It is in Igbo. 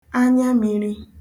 anyamīrī